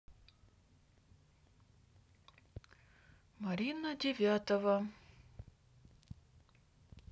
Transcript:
марина девятова